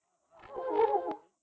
music